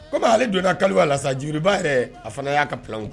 Kɔmi ale donna ka kaliwa lajuruba yɛrɛ a fana y'a ka pw